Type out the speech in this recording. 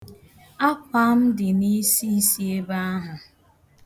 Akwa m dị n'isiisi ebe ahụ.